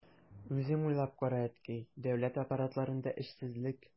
Үзең уйлап кара, әткәй, дәүләт аппаратларында эшсезлек...